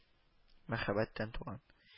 Мәхәббәттән туган